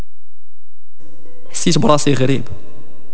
في براسي غريب